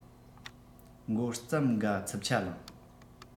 འགོ བརྩམས འགའ འཚུབ ཆ ལངས